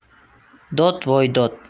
dod voy dod